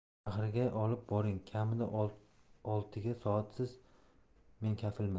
shaharga olib boring kamida oltiga sotasiz men kafilman